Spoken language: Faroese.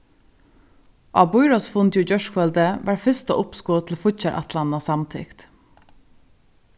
á býráðsfundi í gjárkvøldið varð fyrsta uppskot til fíggjarætlanina samtykt